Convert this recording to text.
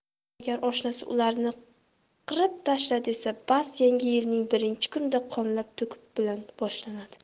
agar oshnasi ularni qirib tashla desa bas yangi yilning birinchi kuni qonlar to'kish bilan boshlanadi